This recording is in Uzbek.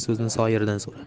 so'zni soyirdan so'ra